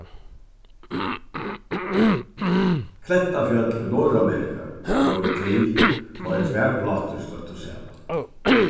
klettafjøll í norðuramerika vórðu til tá ið tvær plátur stoyttu saman